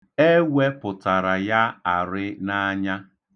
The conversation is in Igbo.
E wepụtara ya arị n'anya.